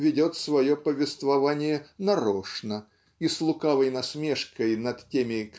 ведет свое повествование "нарочно" и с лукавой насмешкой над теми